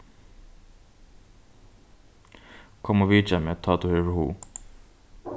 kom og vitja meg tá tú hevur hug